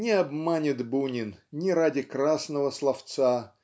Не обманет Бунин ни ради красного словца